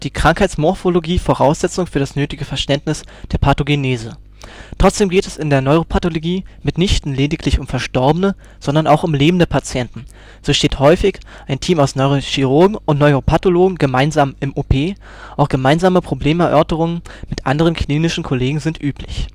Krankheitsmorphologie Voraussetzung für das nötige Verständnis der Pathogenese. Trotzdem geht es in der Neuropathologie mitnichten lediglich um verstorbene, sondern auch um lebende Patienten, so steht häufig ein Team aus Neurochirurgen und Neuropathologen gemeinsam im OP, auch gemeinsame Problemerörterungen mit anderen klinischen Kollegen sind üblich